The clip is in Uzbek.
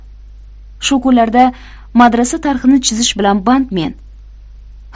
shu kunlarda madrasa tarhini chizish bilan bandmen